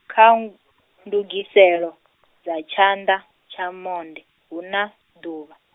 kha, ndugiselo, dza tshanḓa, tsha monde, hu na, ḓuvha.